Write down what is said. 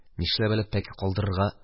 Нишләп пәке калдырырга?